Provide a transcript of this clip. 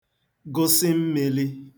gụsị mmīlī